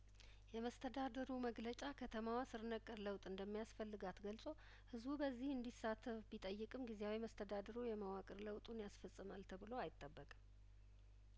የመስተዳድሩ መግለጫ ከተማዋ ስር ነቀል ለውጥ እንደሚያስፈልጋት ገልጾ ህዝቡ በዚህ እንዲሳተፍ ቢጠይቅም ጊዜያዊ መስተዳድሩ የመዋቅር ለውጡን ያስፈጽማል ተብሎ አይጠበቅም